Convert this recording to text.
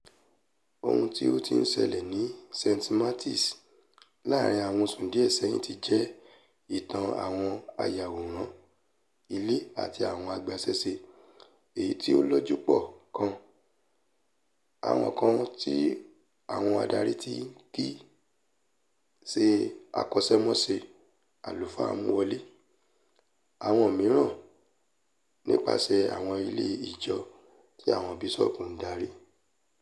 Ohun tí o ti ṣẹlẹ́ ni St. Martin láàrin àwọn oṣù díẹ̀ sẹ́yìn ti jẹ́ ìtàn àwọn ayàwòrán ilé àti àwọn agbaṣẹ́ṣé èyití ó lójú pọ kan, àwọn kan tí àwọn adari tí kìí ṣe akọ́ṣẹ́mọṣẹ́ àlùfáà mú wọlé, àwọn miran nípaṣẹ̀ àwọn ile ijo tí àwọn Bíṣọọbu ńdarí.